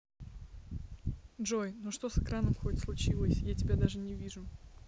джой ну что с экраном хоть случилось я тебя даже не вижу